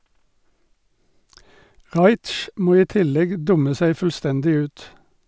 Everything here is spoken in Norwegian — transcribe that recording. Raich må i tillegg dumme seg fullstendig ut.